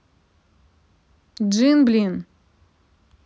джин блин